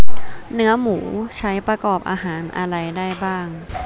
เนื้อหมูใช้ประกอบอาหารอะไรได้บ้าง